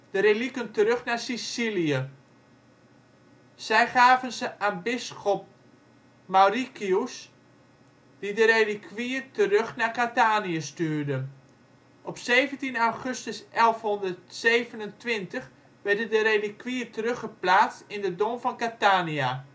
de relieken terug naar Sicilië. Zij gaven ze aan bisschop Mauricius die de relikwieën terug naar Catania stuurde. Op 17 augustus 1127 werden de relikwieën teruggeplaatst in de Dom van Catania